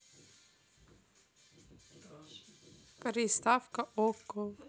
приставка окко